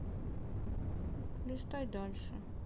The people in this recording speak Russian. листай дальше